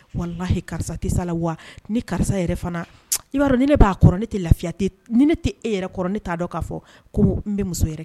Wala karisa tɛ sa la wa ni karisa yɛrɛ fanaa ni ne b'a kɔrɔ ne tɛ lafiya ni ne tɛ e yɛrɛ ne t'a dɔn k kaa fɔ ko n bɛ muso yɛrɛ